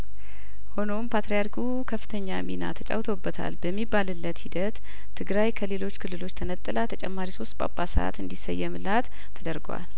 ሆኖም ፓትሪያርኩ ከፍተኛ ሚና ተጫውተው በታል በሚባልለት ሂደት ትግራይ ከሌሎች ክልሎች ተነጥላ ተጨማሪ ሶስት ጳጳሳት እንዲሰየምላት ተደርጓል